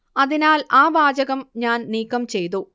അതിനാൽ ആ വാചകം ഞാൻ നീക്കം ചെയ്തു